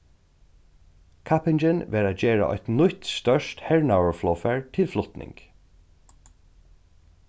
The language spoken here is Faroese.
kappingin var at gera eitt nýtt stórt hernaðarflogfar til flutning